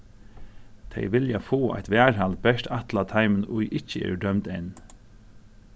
tey vilja fáa eitt varðhald bert ætlað teimum ið ikki eru dømd enn